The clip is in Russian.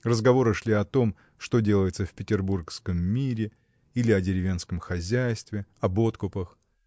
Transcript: разговоры шли о том, что делается в петербургском мире, или о деревенском хозяйстве, об откупах.